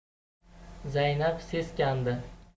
zaynab seskandi